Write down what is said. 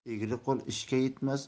egri qo'l ishga yetmas